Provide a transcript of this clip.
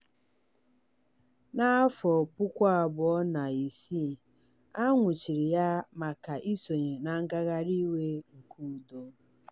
Na 2006, a nwụchiri ya maka isonye na ngagharị iwe nke udo.